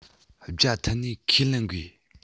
བརྒྱ ཐུབ ནས ཁས ལེན དགོས